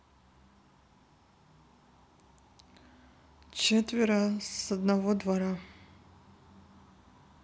четверо с одного двора